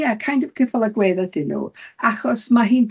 Ia caind of ceffyla gwedd ydyn nw, achos ma' hi'n